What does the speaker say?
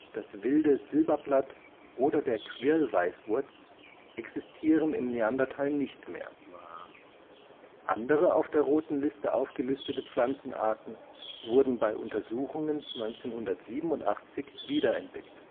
das wilde Silberblatt oder der Quirl-Weißwurz, existieren im Neandertal nicht mehr; andere auf der roten Liste aufgelistete Pflanzenarten wurden bei Untersuchungen 1987 wiederentdeckt